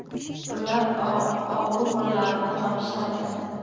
ular o'g'rilarni topishadi